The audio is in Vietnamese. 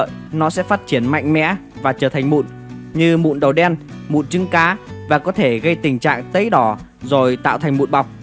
nó sẽ phát triển mạnh mẽ và trở thành mụn như mụn đầu đen mụn trứng cá và có thể gây tình trạng tấy đỏ rồi tạo thành mụn bọc